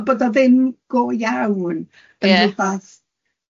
bo- bod o ddim go iawn... Ia...